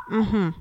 Unhun